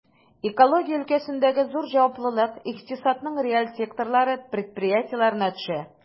Экология өлкәсендәге зур җаваплылык икътисадның реаль секторлары предприятиеләренә төшә.